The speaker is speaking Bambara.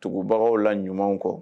Tugu baganw la ɲumanw kɔ.